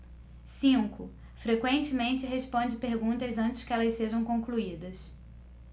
cinco frequentemente responde perguntas antes que elas sejam concluídas